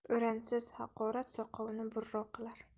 o'rinsiz haqorat soqovni burro qilar